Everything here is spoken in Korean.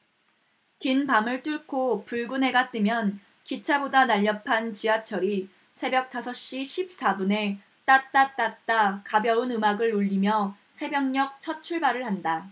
긴 밤을 뚫고 붉은 해가 뜨면 기차보다 날렵한 지하철이 새벽 다섯시 십사분에 따따따따 가벼운 음악을 울리며 새벽녘 첫출발을 한다